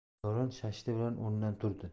davron shasht bilan o'rnidan turdi